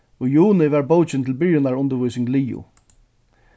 í juni var bókin til byrjanarundirvísing liðug